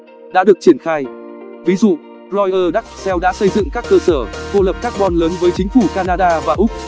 đã được triển khai ví dụ royal dutch shell đã xây dựng các cơ sở cô lập carbon lớn với chính phủ canada và úc